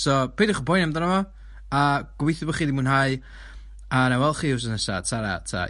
So peidiwch â poeni amdano fo a gobeithio bo chi 'di mwynhau a wnâi wel' chi wsnos nesa tara ta.